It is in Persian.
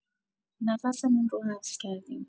نفسمون رو حبس کردیم.